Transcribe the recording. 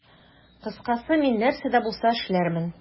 Кыскасы, мин нәрсә дә булса эшләрмен.